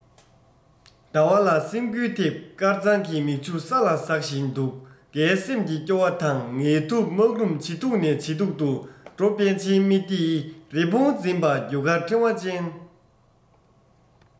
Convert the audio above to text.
ཟླ བ ལ སེམས འགུལ ཐེབས དཀར གཙང གི མིག ཆུ ས ལ ཟགས བཞིན འདུག འགའི སེམས ཀྱི སྐྱོ བ དང ངལ དུབ སྨག རུམ ཇེ མཐུག ནས ཇེ མཐུག ཏུ འགྲོ པཎ ཆེན སྨྲི ཏིའི རི བོང འཛིན པ རྒྱུ སྐར ཕྲེང བ ཅན